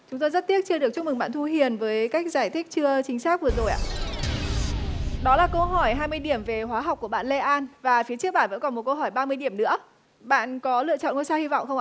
chúng tôi rất tiếc chưa được chúc mừng bạn thu hiền với cách giải thích chưa chính xác vừa rồi ạ đó là câu hỏi hai mươi điểm về hóa học của bạn lê an và phía trước bạn vẫn còn một câu hỏi ba mươi điểm nữa bạn có lựa chọn ngôi sao hy vọng không ạ